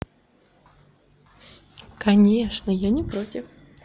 конечно я не против